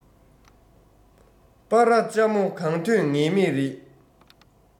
སྤ ར ལྕ མོ གང ཐོན ངེས མེད རེད